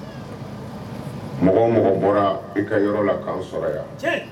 Mɔgɔ mɔgɔ bɔra i ka yɔrɔ la k'an sɔrɔ yan